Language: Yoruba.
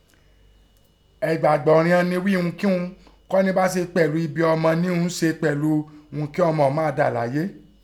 Ẹ̀gbàgbọ́ righọn ni ghí i ihunkihun kí ọnikọ́ni bá se pẹ̀lú ibi ọmọ níhun se pẹ̀lú ihun kí ọmọ ọ̀ún máa dà láyé.